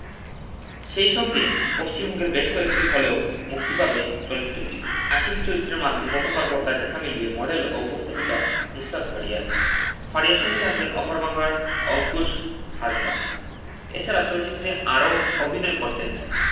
সেই সঙ্গে পশ্চিমবঙ্গের বেশ কয়েকটি হলেও মুক্তি পাবে চলচ্চিত্রটি আশিকী চলচ্চিত্রের মাধ্যমে পথমবার বড়পর্দায় দেখা মিলবে মডেল ও উপস্থাপিকা নুসরাত ফারিয়ার ফারিয়ার সঙ্গে থাকবেন ওপার বাংলার অংকুশ হাজরা এছাড়াও চলচ্চিত্রে আরও অভিনয় করেছেন